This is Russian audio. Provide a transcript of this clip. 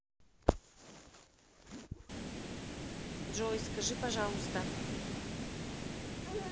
джой скажи пожалуйста